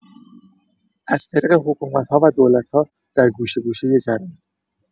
از طریق حکومت‌ها و دولت‌ها، در گوشه گوشۀ زمین